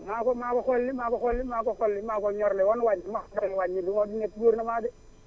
maa ko maa ko xolli maa ko xolli maa ko xolli maa ko ñorle woon wàññi bi ma paree ma wàññi du ma ne si gouvernement de